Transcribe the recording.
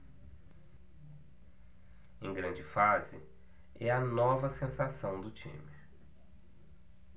em grande fase é a nova sensação do time